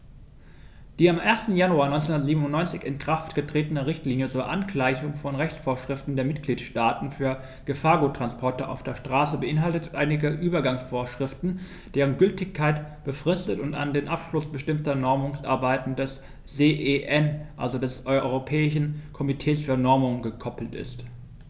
Die am 1. Januar 1997 in Kraft getretene Richtlinie zur Angleichung von Rechtsvorschriften der Mitgliedstaaten für Gefahrguttransporte auf der Straße beinhaltet einige Übergangsvorschriften, deren Gültigkeit befristet und an den Abschluss bestimmter Normungsarbeiten des CEN, also des Europäischen Komitees für Normung, gekoppelt ist.